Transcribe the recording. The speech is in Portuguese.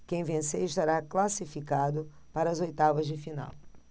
quem vencer estará classificado para as oitavas de final